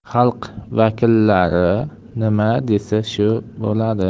xalq vakillari nima desa shu bo'ladi